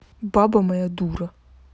баба моя дура